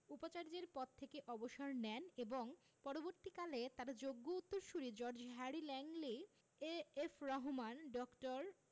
উপাচার্যের পদ থেকে অবসর নেন এবং পরবর্তীকালে তাঁর যোগ্য উত্তরসূরি George Harry Langley A F Rahman ড.